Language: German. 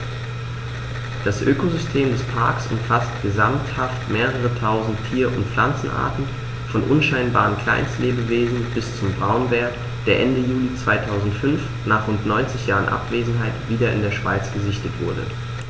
Das Ökosystem des Parks umfasst gesamthaft mehrere tausend Tier- und Pflanzenarten, von unscheinbaren Kleinstlebewesen bis zum Braunbär, der Ende Juli 2005, nach rund 90 Jahren Abwesenheit, wieder in der Schweiz gesichtet wurde.